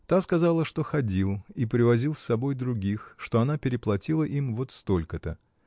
Та сказала, что ходил и привозил с собой других, что она переплатила им вот столько-то.